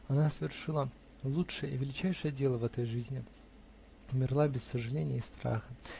Она совершила лучшее и величайшее дело в этой жизни -- умерла без сожаления и страха.